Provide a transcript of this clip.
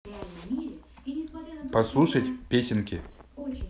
послушать песенки